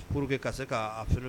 Pourque ka se ka a fana